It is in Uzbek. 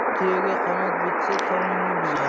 tuyaga qanot bitsa tomingni buzar